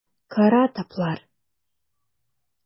Кара таплар.